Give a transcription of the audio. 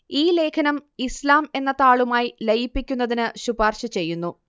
ഈ ലേഖനം ഇസ്ലാം എന്ന താളുമായി ലയിപ്പിക്കുന്നതിന് ശുപാർശ ചെയ്യുന്നു